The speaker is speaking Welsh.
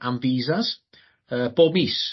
am visas yy bob mis.